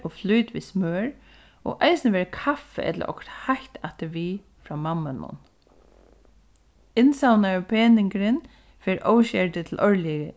og flute við smør og eisini verður kaffi ella okkurt heitt afturvið frá mammunum innsavnaði peningurin fer óskerdur til árligu